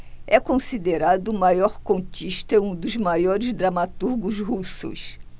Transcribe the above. é considerado o maior contista e um dos maiores dramaturgos russos